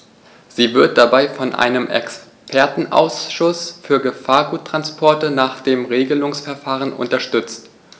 Sie wird dabei von einem Expertenausschuß für Gefahrguttransporte nach dem Regelungsverfahren unterstützt.